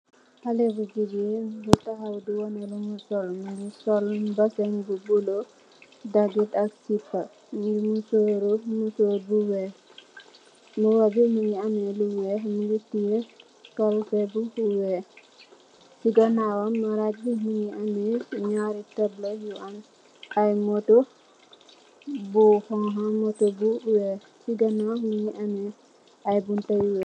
Khale bu jigen mungi sol lu nyul si ganawam mungi am lu wekh